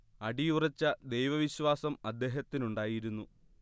അടിയുറച്ച ദൈവവിശ്വാസം അദ്ദേഹത്തിനുണ്ടായിരുന്നു